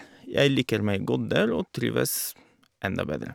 Jeg liker meg godt der, og trives enda bedre.